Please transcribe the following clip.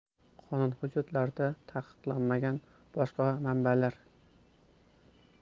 qonun hujjatlarida taqiqlanmagan boshqa manbalar